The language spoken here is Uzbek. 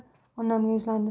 onamga yuzlandi